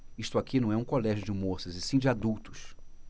isto aqui não é um colégio de moças e sim de adultos